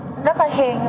hiền